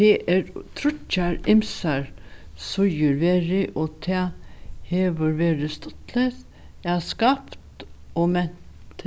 t r tríggjar ymsar síður verið og tað hevur verið stuttligt at skapt og ment